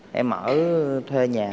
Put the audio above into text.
em ở thuê nhà